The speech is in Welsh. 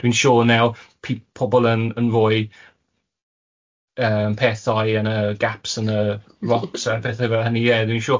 Dwi'n siŵr nawr p- pobl yn yn rhoi yym pethau yn y gaps yn y rocks a pethau fel hynny, ie dwi'n siŵr.